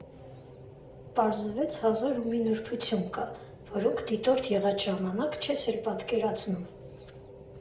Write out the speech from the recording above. Պարզվեց՝ հազար ու մի նրբություն կա, որոնք դիտորդ եղած ժամանակ չես էլ պատկերացնում։